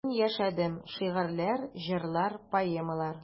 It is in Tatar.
Мин яшәдем: шигырьләр, җырлар, поэмалар.